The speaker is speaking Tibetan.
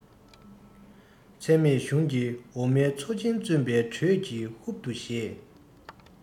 ཚད མེད གཞུང ཀྱི འོ མའི མཚོ ཆེན བརྩོན པའི འགྲོས ཀྱིས ཧུབ ཏུ བཞེས